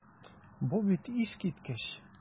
Бу бит искиткеч!